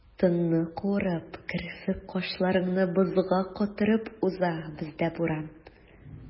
Тынны куырып, керфек-кашларыңны бозга катырып уза бездә буран.